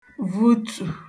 vutu